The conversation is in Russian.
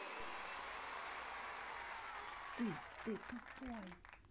ты ты тупой